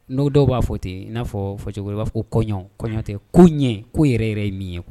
N'o dɔw b'a fɔ ten yen in n'a fɔ cogo b'a fɔ ko kɔɲɔɔn kɔɲɔ tɛ ko ɲɛ ko yɛrɛ yɛrɛ ye min ye kuwa